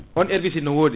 on herbicide no wodi